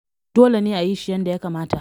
Dole ne a yi shi yadda ya kamata.